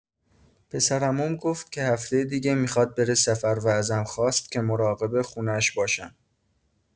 پسرعموم گفت که هفته دیگه می‌خواد بره سفر و ازم خواست که مراقب خونش باشم.